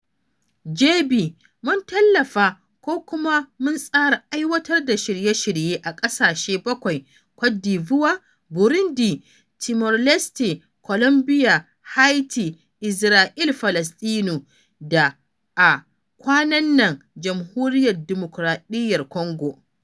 JB: Mun tallafa ko kuma mun tsara aiwatar da shirye-shirye a ƙasashe bakwai: Côte d'Ivoire, Burundi, Timor Leste, Colombia, Haïti, Isra'il-Falastinu, da a kwanan nan Jamhuriyar Dimokuraɗiyyar Kongo.